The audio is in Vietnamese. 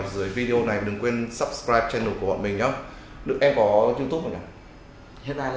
vào dưới video này đừng quên subscribe channel của bọn mình nhá đức em có youtube k nhở